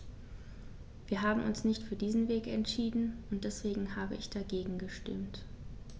Wir haben uns nicht für diesen Weg entschieden, und deswegen habe ich dagegen gestimmt.